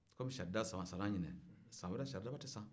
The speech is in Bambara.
kɔmi saridaba sanna ɲinan san wɛrɛ saridaba tɛ san